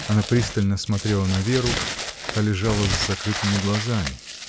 Она пристально смотрела на Веру: та лежала с закрытыми глазами.